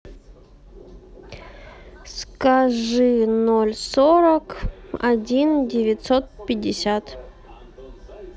скажи ноль сорок один девятьсот пятьдесят